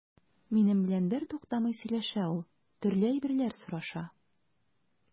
Минем белән бертуктамый сөйләшә ул, төрле әйберләр сораша.